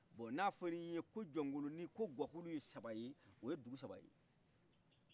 bɔnna fɔriye ko jɔnkoloni ko guakulu ye sabaye o ye dugu sabaye